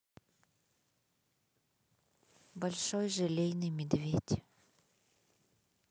большой желейный медведь